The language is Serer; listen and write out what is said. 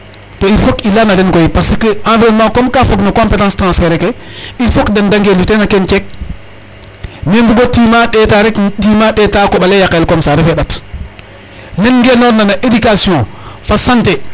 Too il faut i layan a den koy parce que environnement ka fog no compétence transferer ke il faut den da ngeenu teen a keen ceek. Mais mbug o timaa ɗeeta rek timaa ɗeetaa a koƥ ale yaqel comme ca refee ƭat nen ngeenoorna no éducation fo santé.